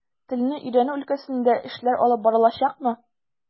Телне өйрәнү өлкәсендә эшләр алып барылачакмы?